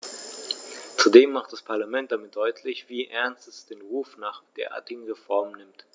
Zudem macht das Parlament damit deutlich, wie ernst es den Ruf nach derartigen Reformen nimmt.